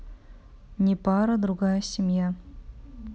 непара другая семья